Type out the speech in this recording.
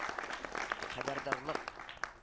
Хәбәрдарлык…